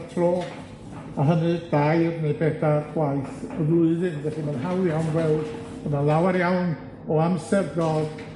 y tro, a hynny dair neu bedar gwaith y flwyddyn. Felly, ma'n hawdd iawn gweld bo' 'na lawer iawn o amser Dodd